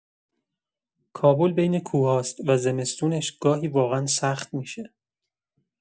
کابل بین کوه‌هاست و زمستونش گاهی واقعا سخت می‌شه.